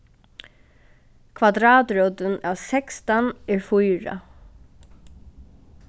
kvadratrótin av sekstan er fýra